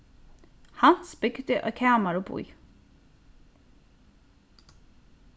hans bygdi eitt kamar uppí